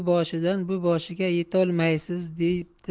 u boshidan bu boshiga yetolmaysiz debdi